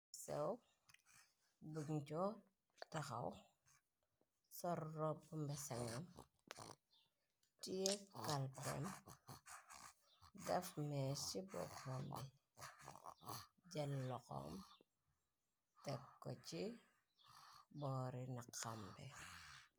Sew bunco taxaw sor robbu mesangam tie kalpem daf mee ci boppoom bi jalloxoom tekko ci boori na xambe.